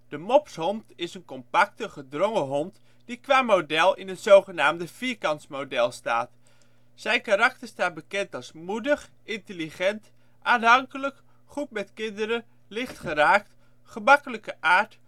De mopshond is een compacte, gedrongen hond die qua model in het zogenaamde vierkantsmodel staat. Zijn karakter staat bekend als: moedig intelligent aanhankelijk goed met kinderen lichtgeraakt gemakkelijke aard